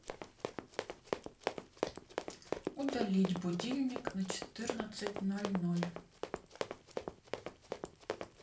удалить будильник на четырнадцать ноль ноль